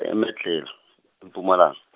eMedlhela e- Mpumalang-.